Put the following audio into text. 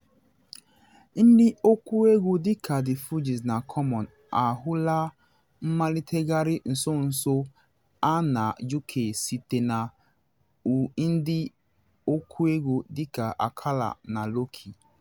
Ndị ọkụegwu dị ka The Fugees na Common ahụla mmalitegharị nso nso a na UK site na ndị ọkụegwu dị ka Akala na Lowkey.